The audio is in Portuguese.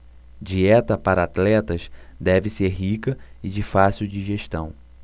dieta para atletas deve ser rica e de fácil digestão